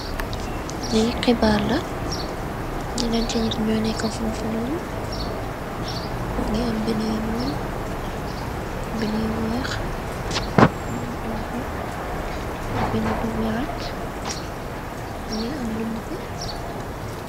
Lii khibarr la, njenenti nitt njur neka fofu nonu, mungy am binda yu njull, binda yu wekh, binda yu honhu, ak binda bu lewet, mungy am lu nehteh.